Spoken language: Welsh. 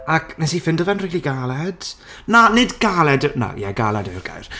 Ac, wnes i ffindo fe'n rili galed. Na, nid galed yw- na, ie, galed yw'r gair.